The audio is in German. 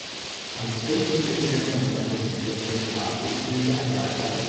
Am 12. Dezember 2014 traf die Züge ein weiterer